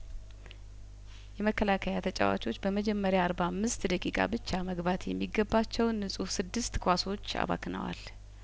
የመከላከያ ተጨዋቾች በመጀመሪያ አርባ አምስት ደቂቃ ብቻ መግባት የሚገባቸውን ንጹህ ስድስት ኳሶች አባክነዋል